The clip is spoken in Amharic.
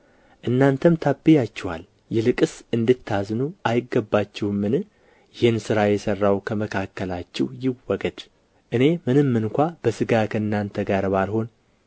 እናንተም ታብያችኋል ይልቅስ እንድታዝኑ አይገባችሁምን ይህን ሥራ የሠራው ከመካከላችሁ ይወገድ እኔ ምንም እንኳ በሥጋ ከእናንተ ጋር ባልሆን